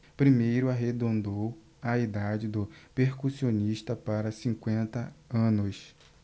primeiro arredondou a idade do percussionista para cinquenta anos